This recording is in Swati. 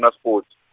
Naspoti.